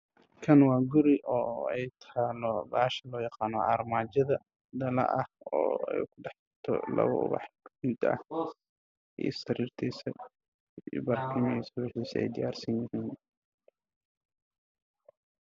Halkaan waxaa ka muuqdo qol ay ku jirto armaajo cadaan ah dhexda waxay ka tahay muraayad ay ka muuqato ubax guduudan